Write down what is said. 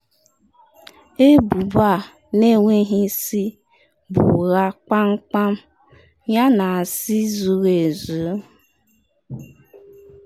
Ebubo a n’enweghị isi bụ ụgha kpamkpam yana asị zuru ezu.”